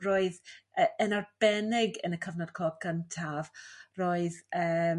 roedd yn arbennig yn y cyfnod clo cyntaf roedd eem